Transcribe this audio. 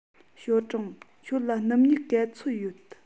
ཞའོ ཀྲང ཁྱོད ལ སྣུམ སྨྱུག ག ཚོད ཡོད